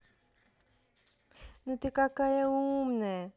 ну ты какая умная